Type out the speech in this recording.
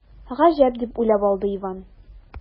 “гаҗәп”, дип уйлап алды иван.